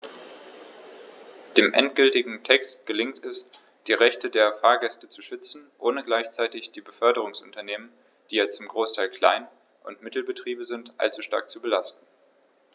Dem endgültigen Text gelingt es, die Rechte der Fahrgäste zu schützen, ohne gleichzeitig die Beförderungsunternehmen - die ja zum Großteil Klein- und Mittelbetriebe sind - allzu stark zu belasten.